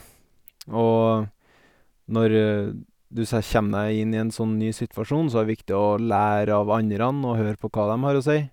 Og når du sæ kjem deg inn i en sånn ny situasjon, så er det viktig å lære av anderan og høre på hva dem har å si.